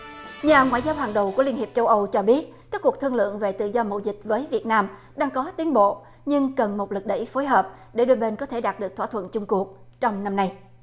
nhà ngoại giao hàng đầu của liên hiệp châu âu cho biết các cuộc thương lượng về tự do mậu dịch với việt nam đang có tiến bộ nhưng cần một lực đẩy phối hợp để đôi bên có thể đạt được thỏa thuận chung cuộc trong năm nay